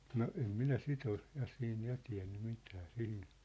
no en minä sitä ole ja siinä ja tiennyt mitä siihen